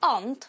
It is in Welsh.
ond